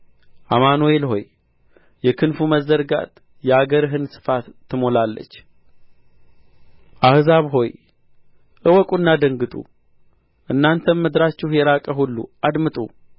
አማኑኤል ሆይ የክንፉ መዘርጋት የአገርህን ስፋት ትሞላለች አሕዛብ ሆይ እወቁና ደንግጡ እናንተም ምድራችሁ የራቀ ሁሉ አድምጡ